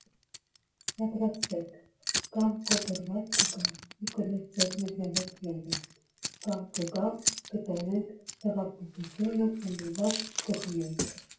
Պատրաստվեք՝ կամ կոտրված կգամ ու կլսեք նվնվոցներս, կամ կգամ, կտոնենք հեղափոխությունը ու մի լավ կխմենք։